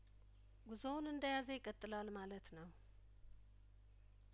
ጉዞውን እንደያዘ ይቀጥላል ማለት ነው